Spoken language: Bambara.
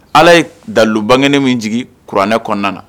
Ala ye d dalu baŋenen min jigin kuranɛ kɔnɔna na